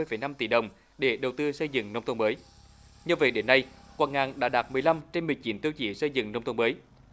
phẩy năm tỷ đồng để đầu tư xây dựng nông thôn mới như vậy đến nay quảng ngàn đã đạt mười lăm trên mười chín tiêu chí xây dựng nông thôn mới